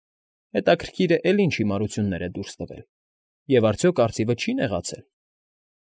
Հետաքրքիր է, էլի ինչ հիմարություններ է դուրս տվել, և արդյոք արծիվը չի՞ նեղացել։